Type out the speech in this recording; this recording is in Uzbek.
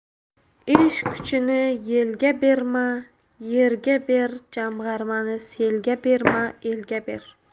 ish kuchini yelga berma yerga ber jamg'armani selga berma elga ber